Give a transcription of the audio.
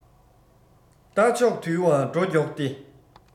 རྟ མཆོག དུལ བ འགྲོ མགྱོགས ཏེ